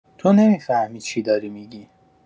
تو نمی‌فهمی چی داری می‌گی.